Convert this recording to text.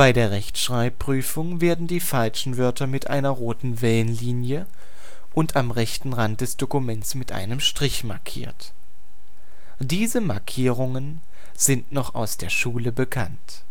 der Rechtschreibprüfung werden die falschen Wörter mit einer roten Wellenlinie und am rechten Rand des Dokuments mit einem Strich markiert. Diese Markierungen sind noch aus der Schule bekannt